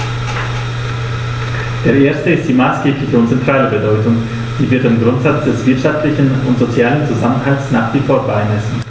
Der erste ist die maßgebliche und zentrale Bedeutung, die wir dem Grundsatz des wirtschaftlichen und sozialen Zusammenhalts nach wie vor beimessen.